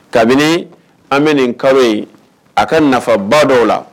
Kabini an bɛ nin kalo in a ka nafabaa dɔw la